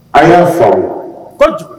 A y'a fa kojugu kojugu